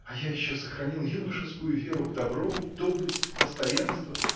а я еще сохранил юношескую веру в добро в доблесть в постоянство.